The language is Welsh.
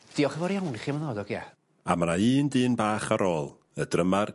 Diolch yn fowr iawn i chi am ddod hogia. A ma' 'na un dyn bach ar ôl y drymar...